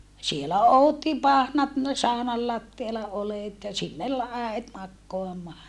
siellä odotti pahnat saunan lattialla oljet ja sinne äiti makaamaan